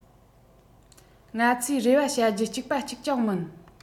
ང ཚོས རེ བ བྱ རྒྱུ གཅིག པ གཅིག རྐྱང མིན